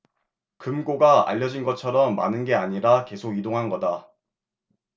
금고가 알려진 것처럼 많은 게 아니라 계속 이동한 거다